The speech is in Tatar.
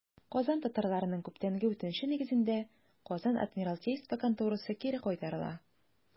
Казан татарларының күптәнге үтенече нигезендә, Казан адмиралтейство конторасы кире кайтарыла.